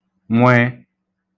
nw